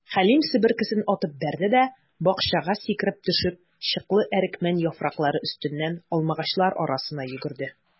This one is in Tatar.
Хәлим, себеркесен атып бәрде дә, бакчага сикереп төшеп, чыклы әрекмән яфраклары өстеннән алмагачлар арасына йөгерде.